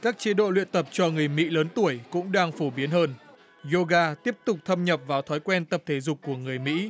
các chế độ luyện tập cho người mỹ lớn tuổi cũng đang phổ biến hơn dô ga tiếp tục thâm nhập vào thói quen tập thể dục của người mỹ